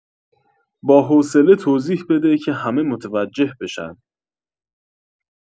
با حوصله توضیح بده که همه متوجه بشن